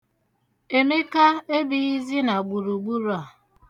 Emeka ebighịzi na gburugburu a.